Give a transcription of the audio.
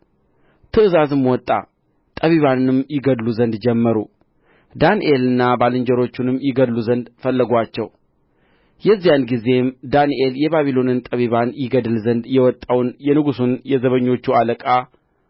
ትእዛዝም ወጣ ጠቢባንንም ይገድሉ ዘንድ ጀመሩ ዳንኤልንና ባልንጀሮቹንም ይገድሉ ዘንድ ፈለጉአቸው የዚያን ጊዜም ዳንኤል የባቢሎንን ጠቢባን ይገድል ዘንድ የወጣውን የንጉሡን የዘበኞቹ አለቃ